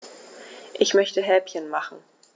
Ich möchte Häppchen machen.